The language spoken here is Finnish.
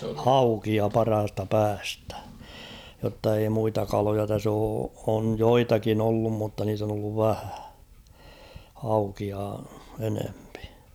haukea parhaasta päästä jotta ei muita kaloja tässä ole on joitakin ollut mutta niitä on ollut vähän haukia enempi